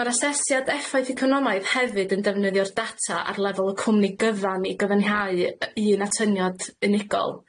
Ma'r asesiad effaith economaidd hefyd yn defnyddio'r data ar lefel y cwmni gyfan i gyfiawnhau yy un atyniad unigol.